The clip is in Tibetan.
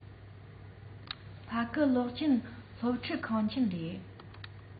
ཕ གི གློག ཅན སློབ ཁྲིད ཁང ཆེན ཡིན